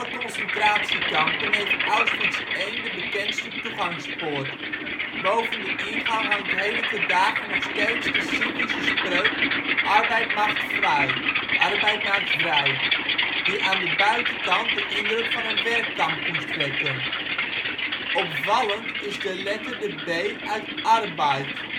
concentratiekampen heeft Auschwitz I de bekendste toegangspoort. Boven de ingang hangt heden ten dage nog steeds de cynische spreuk Arbeit macht frei (" Arbeid maakt vrij "), die aan de buitenkant de indruk van een werkkamp moest wekken. Opvallend is de letter de " B " uit Arbeit